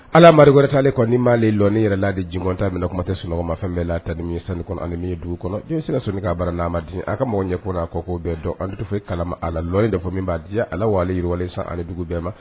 Alama wɛrɛ ta ale kɔnɔ maale lɔni yɛrɛ la di jgɔn ta min kuma tɛ sunɔgɔmafɛn bɛɛla tami ye sank animi dugu kɔnɔese ka sonni k ka bara'a ma d a ka mɔgɔw ɲɛ ko a kɔ k'o bɛɛ dɔn antufe kalama a la de fɔ min b'a di diya ala waleale yiriwale san alidugu bɛɛ ma